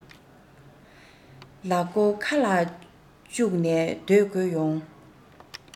ལག མགོ ཁ ལ བཅུག ནས སྡོད དགོས ཡོང